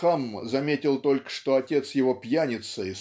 Хам заметил только, что отец его пьяница